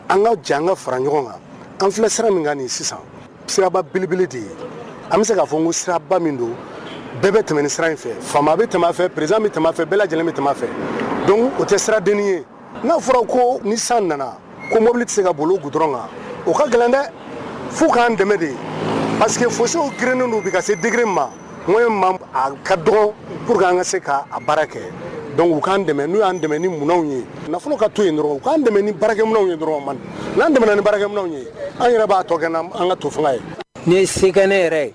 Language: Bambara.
An ka jan an ka fara ɲɔgɔn kan an filɛ sira min kan nin sisan siraba belebele de ye an bɛ se k'a fɔ n ko siraba min don bɛɛ bɛ tɛmɛ ni sira in fɛ faama bɛ tɛmɛ fɛ perez bɛ tɛmɛ fɛ bɛɛ lajɛlen tɛmɛ fɛ o tɛ siraden ye n'a fɔra ko ni san nana ko mobili tɛ se ka bolo dɔrɔn kan u ka gɛlɛn dɛ fo k'an dɛmɛ de ye parce que fosi grinnen don bi ka se digi ma n ye ka dɔgɔ kuru an ka se k'a baara kɛ dɔnku u'an dɛmɛ n'u y an dɛmɛ ni minnuanw ye nafolo ka to dɔrɔn an dɛmɛ ni bara ye dɔrɔn man n'an tɛm ni barakɛw ye an yɛrɛ b'a tɔ kɛ na an ka to fanga ye nin ye sen ne yɛrɛ ye